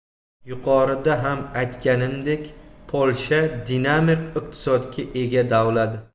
yuqorida ham aytganimdek polsha dinamik iqtisodga ega davlat